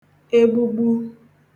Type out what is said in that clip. egbugbu